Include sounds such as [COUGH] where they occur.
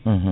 [HESITATION] [HESITATION]